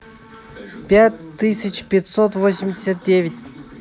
пять тысяч пятьсот восемьдесят девять